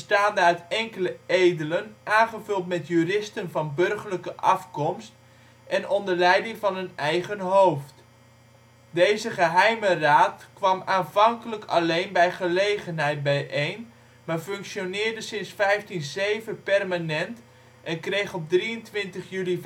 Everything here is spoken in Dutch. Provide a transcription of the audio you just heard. uit enkele edelen, aangevuld met juristen van burgerlijke afkomst en onder leiding van een eigen hoofd. Deze Geheime Raad kwam aanvankelijk alleen bij gelegenheid bijeen, maar functioneerde sinds 1507 permanent en kreeg op 23 juli